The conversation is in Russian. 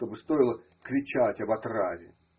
чтобы стоило кричать об отраве.